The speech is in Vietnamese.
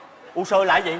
u sơ là cái gì